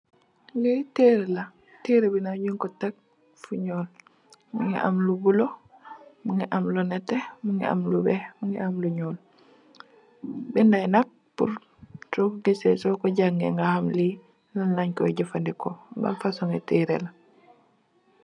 Li teereh la, teereh bi nak nung ko tek fu ñuul. Mungi am lu bulo, mungi am lu netè, mungi am lu weeh, mungi am lu ñuul. Binda yi nak purr so ko geseh so ko jàngay nga hamne li lan lanyeko jafa ndeko, ban fasung ngi téere la.